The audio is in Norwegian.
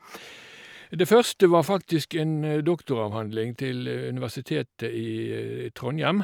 Det første var faktisk en doktoravhandling til Universitetet i Trondhjem.